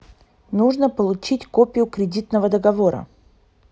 нужно получить копию кредитного договора